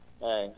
eeyi